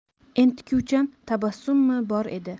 entikuvchan tabassummi bor edi